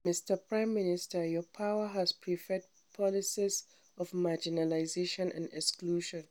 Mister prime minister, your power has preferred policies of marginalization and exclusion.